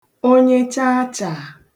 onyechaachàà